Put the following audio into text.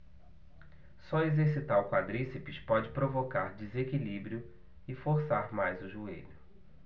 só exercitar o quadríceps pode provocar desequilíbrio e forçar mais o joelho